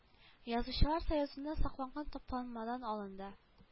Язучылар союзында сакланган тупланмадан алынды